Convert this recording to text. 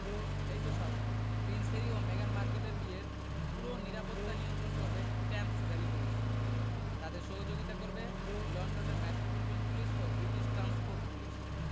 এটাই তো স্বাভাবিক প্রিন্স হ্যারি ও মেগান মার্কেলের বিয়ের পুরো নিরাপত্তা নিয়ন্ত্রণ করবে টেমস ভ্যালি পুলিশ তাঁদের সহযোগিতা করবে লন্ডনের মেট্রোপলিটন পুলিশ ও ব্রিটিশ ট্রান্সপোর্ট পুলিশ